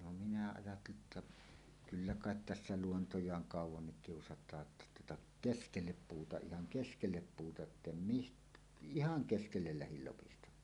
no minä ajattelin että kyllä kai tässä luontojaan kauankin kiusataan jotta tuota keskelle puuta ihan keskelle puuta että en - ihan keskelle lähdin lopistamaan